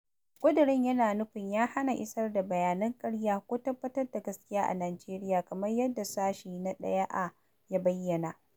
ƙudirin yana nufi ya"[hana] isar da bayanan ƙarya ko tabbatar da gaskiya a Najeriya", kamar yadda Sashe na 1a ya bayyana.